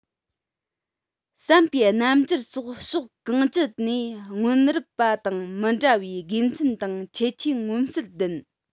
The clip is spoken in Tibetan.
བསམ པའི རྣམ འགྱུར སོགས ཕྱོགས གང ཅི ནས སྔོན རབས པ དང མི འདྲ བའི དགེ མཚན དང ཁྱད ཆོས མངོན གསལ ལྡན